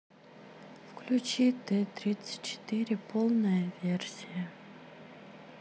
включи тэ тридцать четыре полная версия